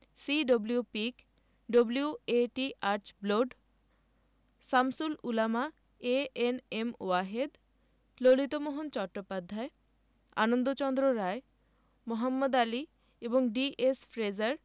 C W. Peake W A T. Archbold Shamsul Ulama A N M Wahed Lalitmohan Chattopadhyay Anandachandra Roy Mohammad Ali এবং D S. Fraser